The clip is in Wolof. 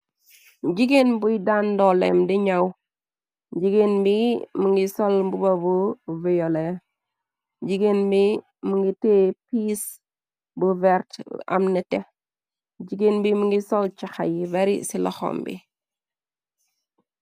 Jigéen boi dan doolem di ñaw jigéen bi mongi sol mbubu bu violet jigéen bi mongi tee pis bu verte am neté jigéen bi mongi sol caxa yu bari ci loxom bi.